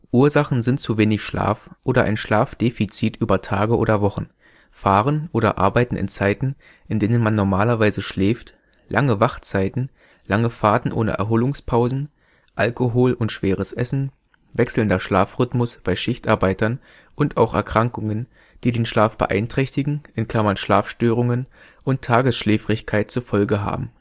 Ursachen sind zu wenig Schlaf oder ein Schlafdefizit über Tage oder Wochen, Fahren oder Arbeiten in Zeiten, in denen man normalerweise schläft, lange Wachzeiten, lange Fahrten ohne Erholungspausen, Alkohol und schweres Essen, wechselnder Schlafrhythmus bei Schichtarbeitern und auch Erkrankungen, die den Schlaf beeinträchtigen (Schlafstörungen) und Tagesschläfrigkeit zur Folge haben